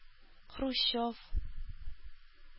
Хрущев